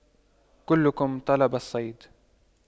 كلكم طلب صيد